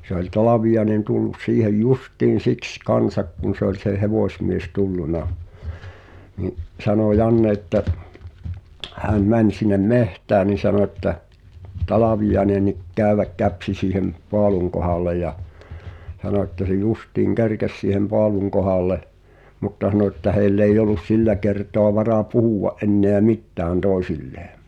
se oli Talviainen tullut siihen justiin siksi kanssa kun se oli se hevosmies tullut niin sanoi Janne että hän meni sinne metsään niin sanoi että Talviainenkin käydä käpsi siihen paalun kohdalle ja sanoi että se justiin kerkesi siihen paalun kohdalle mutta sanoi että heillä ei ollut sillä kertaa varaa puhua enää mitään toisilleen